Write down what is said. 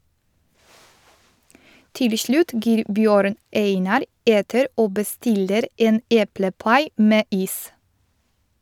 Til slutt gir Bjørn Einar etter og bestiller en eplepai med is.